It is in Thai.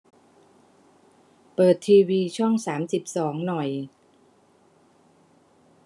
เปิดทีวีช่องสามสิบสองหน่อย